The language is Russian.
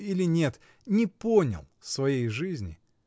или нет, не понял своей жизни.